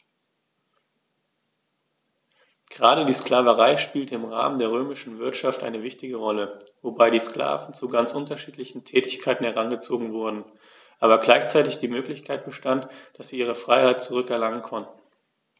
Gerade die Sklaverei spielte im Rahmen der römischen Wirtschaft eine wichtige Rolle, wobei die Sklaven zu ganz unterschiedlichen Tätigkeiten herangezogen wurden, aber gleichzeitig die Möglichkeit bestand, dass sie ihre Freiheit zurück erlangen konnten.